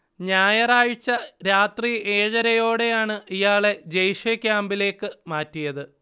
ഞായറാഴ്ച രാത്രി ഏഴരയോടെയാണ് ഇയാളെ ജെയ്ഷെ ക്യാമ്പിലേക്ക് മാറ്റിയത്